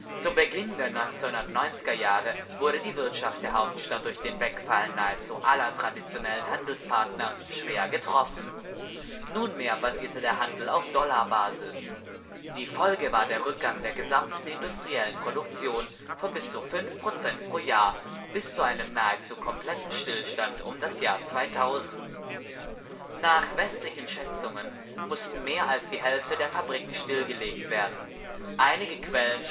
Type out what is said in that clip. Zu Beginn der 1990er Jahre wurde die Wirtschaft der Hauptstadt durch den Wegfall nahezu aller traditionellen Handelspartner schwer getroffen. Nunmehr basierte der Handel auf Dollar-Basis. Die Folge war der Rückgang der gesamten industriellen Produktion von bis zu fünf Prozent pro Jahr bis zu einem nahezu kompletten Stillstand um das Jahr 2000. Nach westlichen Schätzungen mussten mehr als die Hälfte der Fabriken stillgelegt werden, einige Quellen